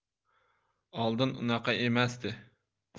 oldin unaqa emasdi